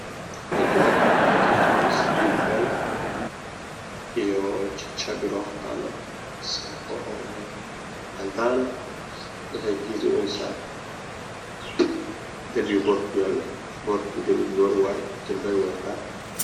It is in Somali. Waa gabar waxa ay fiirineysaa sawir ku dhegan darbiga oo gabar kale oo qoslaysa oo xijaab badato qaxwi ah